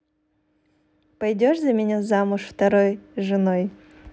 пойдешь за меня замуж второй женой